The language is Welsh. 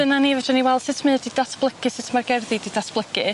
Dyna ni fedrwn ni weld sut mae o 'di datblygu sut ma'r gerddi 'di datblygu.